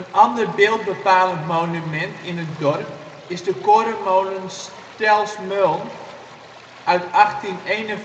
ander beelbepalend monument in het dorp is de korenmolen Stel 's Meuln uit 1851